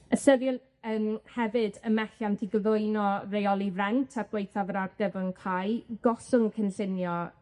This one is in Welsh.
Ystyriwn yym hefyd y methiant i gyflwyno reoli rent er gwaethaf yr gollwng cynllunio